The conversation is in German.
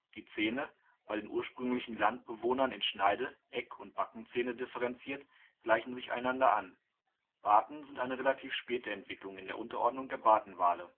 Die Zähne, bei den ursprünglichen Landbewohnern in Schneide -, Eck -, Backenzähne differenziert, gleichen sich einander an. Barten sind eine relativ späte Entwicklung in der Unterordnung der Bartenwale